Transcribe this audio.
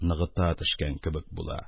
Ныгыта төшкән кебек була.